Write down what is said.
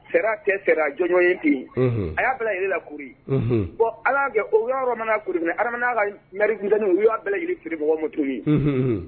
Fɛ kɛ fɛ jɔnɔn ye ten yen a y'a bila yɛrɛla kururi ala gɛn o y' yɔrɔmana kuru minɛ adamaa karikunt u y'a bɛɛlɛgur mɔgɔ motu min